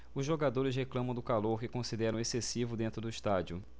os jogadores reclamam do calor que consideram excessivo dentro do estádio